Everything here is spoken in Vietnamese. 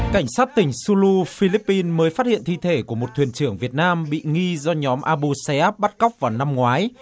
cảnh sát tỉnh xu lu phi líp pin mới phát hiện thi thể của một thuyền trưởng việt nam bị nghi do nhóm a bu xay áp bắt cóc vào năm ngoái